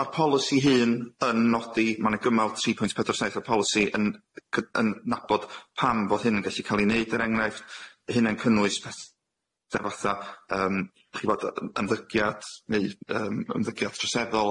ma'r polisi hŷn yn nodi ma' na gymal tri pwynt pedwar saith o'r polisi yn cy- yn nabod pam fodd hyn yn gallu ca'l i neud er enghraifft hynna'n cynnwys pet- 'da fatha yym chi fod yym ymddygiad neu' yym ymddygiad troseddol